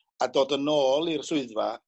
a dod yn ôl i'r swyddfa